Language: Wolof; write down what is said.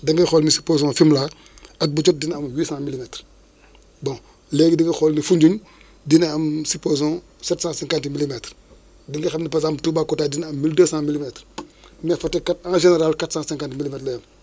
da ngay xool ni supposons fimela at bu jot dina am huit cent milimètres bon léegi di nga xool ni Foundiogne dina am supposons sept cent cinquante milimètres di nga xam ne par exemple Toubacouta dina am mille deux cent milimètres ne Fatick kat en général quatre cent cinquante milimètres lay am